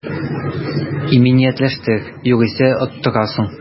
Иминиятләштер, югыйсә оттырасың